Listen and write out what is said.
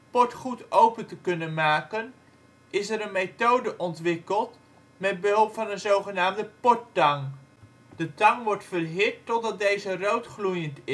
port goed open te kunnen maken is er een methode ontwikkeld met behulp van een zogenaamde porttang. De tang wordt verhit totdat deze roodgloeiend is